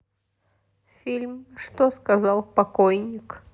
фильм что сказал покойник